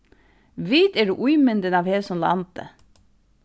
vit eru ímyndin av hesum landi